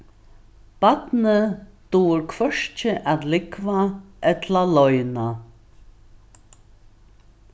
barnið dugir hvørki at lúgva ella loyna